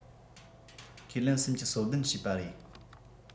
ཁས ལེན སུམ བཅུ སོ བདུན བྱས པ རེད